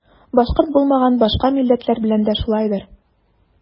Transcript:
Башкорт булмаган башка милләтләр белән дә шулайдыр.